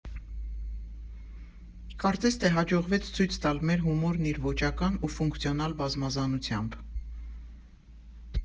Կարծես թե հաջողվեց ցույց տալ մեր հումորն իր ոճական ու ֆունկցիոնալ բազմազանությամբ։